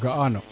ga'ano